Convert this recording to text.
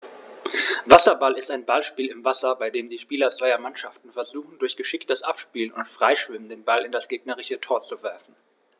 Wasserball ist ein Ballspiel im Wasser, bei dem die Spieler zweier Mannschaften versuchen, durch geschicktes Abspielen und Freischwimmen den Ball in das gegnerische Tor zu werfen.